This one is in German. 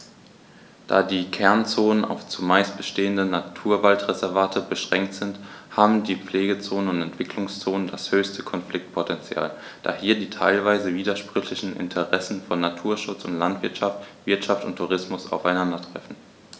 Da die Kernzonen auf – zumeist bestehende – Naturwaldreservate beschränkt sind, haben die Pflegezonen und Entwicklungszonen das höchste Konfliktpotential, da hier die teilweise widersprüchlichen Interessen von Naturschutz und Landwirtschaft, Wirtschaft und Tourismus aufeinandertreffen.